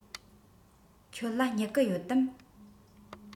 ཁྱོད ལ སྨྱུ གུ ཡོད དམ